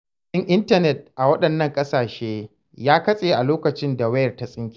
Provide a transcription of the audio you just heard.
Sabis ɗin intanet a waɗannan ƙasashen ya katse a lokacin da wayar ta tsinke.